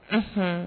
Unhun